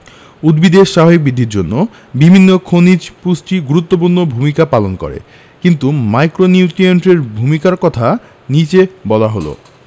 উদ্ভিদের স্বাভাবিক বৃদ্ধির জন্য বিভিন্ন খনিজ পুষ্টি গুরুত্বপূর্ণ ভূমিকা পালন করে কিছু ম্যাক্রোনিউট্রিয়েন্টের ভূমিকার কথা নিচে বলা হল